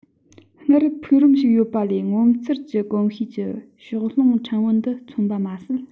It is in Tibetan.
སྔར ཕུག རོན ཞིག ཡོད པ ལས ངོ མཚར ཅན གྱི གོམས གཤིས ཀྱི ཕྱོགས ལྷུང ཕྲན བུ འདི མཚོན པ མ ཟད